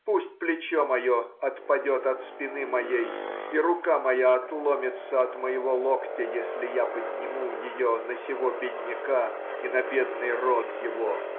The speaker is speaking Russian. Пусть плечо мое отпадет от спины моей и рука моя отломится от моего локтя, если я подниму ее на сего бедняка и на бедный род его!